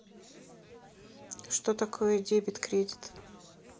что такое дебет кредит